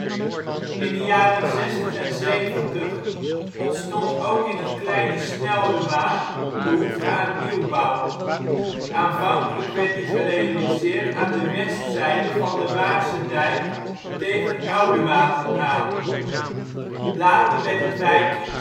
In de jaren zestig en zeventig ontstond ook in het kleine Snelrewaard behoefte aan nieuwbouw. Aanvankelijk werd die gerealiseerd aan de westzijde van de Waardsedijk, tegen Oudewater aan. Later werd het wijkje